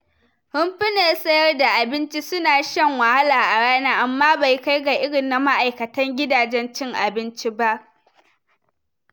Rumfunan sayar da abinci suma sun sha wahala a ranar, amma bai kai ga irin na ma’ikatan gidajen cin abinci ba.